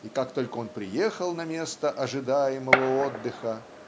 и как только он приехал на место ожидаемого отдыха